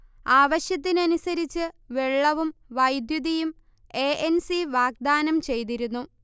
ആവശ്യത്തിനനുസരിച്ച് വെള്ളവും വൈദ്യുതിയും എ എൻ സി വാഗ്ദാനം ചെയ്തിരുന്നു